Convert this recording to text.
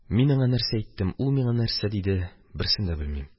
Мин аңа нәрсә әйттем, ул миңа нәрсә диде – берсен дә белмим.